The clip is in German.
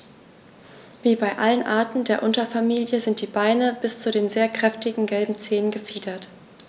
Wie bei allen Arten der Unterfamilie sind die Beine bis zu den sehr kräftigen gelben Zehen befiedert.